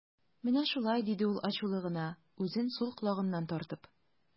Менә шулай, - диде ул ачулы гына, үзен сул колагыннан тартып.